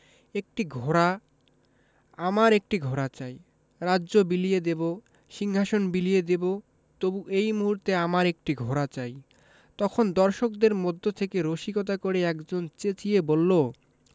একটি ঘোড়া আমার একটি ঘোড়া চাই রাজ্য বিলিয়ে দেবো সিংহাশন বিলিয়ে দেবো তবু এই মুহূর্তে আমার একটি ঘোড়া চাই – তখন দর্শকদের মধ্য থেকে রসিকতা করে একজন চেঁচিয়ে বললো